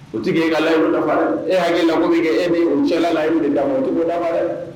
O tigi ka dafa e hakilia la kokɛ e min u cɛla la i de da ma tigi dafa dɛ